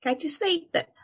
Gai jys ddeud